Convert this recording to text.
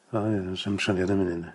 O ia sim syniad yn 'un.